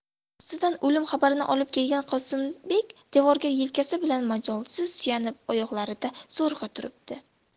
axsidan o'lim xabarini olib kelgan qosimbek devorga yelkasi bilan majolsiz suyanib oyoqlarida zo'rg'a turibdi